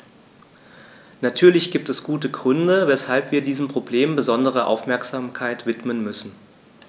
Natürlich gibt es gute Gründe, weshalb wir diesem Problem besondere Aufmerksamkeit widmen müssen.